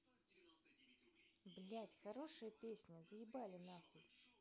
блядь хорошая песня заебали нахуй